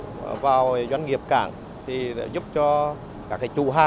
vào doanh nghiệp cảng thì đã giúp cho các chủ hàng